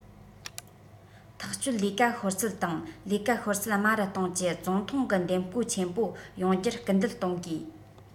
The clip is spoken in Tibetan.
ཐག གཅོད ལས ཀ ཤོར ཚད དང ལས ཀ ཤོར ཚད དམའ རུ གཏོང གྱི ཙུང ཐུང གི འདེམས བསྐོ ཆེན པོ ཡོང རྒྱུར སྐུལ འདེད གཏོང དགོས